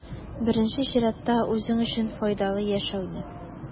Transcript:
Беренче чиратта, үзең өчен файдалы яшәүне.